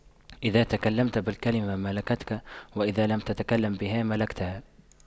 إذا تكلمت بالكلمة ملكتك وإذا لم تتكلم بها ملكتها